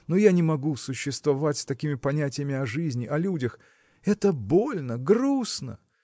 но я не могу существовать с такими понятиями о жизни о людях. Это больно, грустно!